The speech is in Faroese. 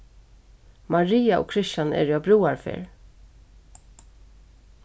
maria og kristian eru á brúðarferð